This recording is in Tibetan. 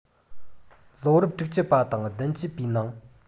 ལོ རབས དྲུག ཅུ པ དང བདུན ཅུ པའི ནང